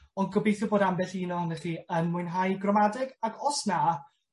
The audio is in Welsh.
ond gobitho bod ambell un ohonoch chi yn mwynhau gramadeg ag os na,